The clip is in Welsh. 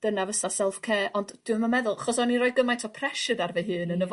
Dyna fysa self care ond dwi'm yn meddwl 'chos o'n i roi gymaint o pressure ar fy hun yn y...